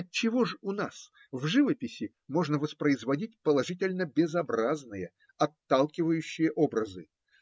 отчего ж у нас, в живописи, можно воспроизводить положительно безобразные, отталкивающие образы?